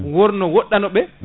woor no woɗɗanoɓe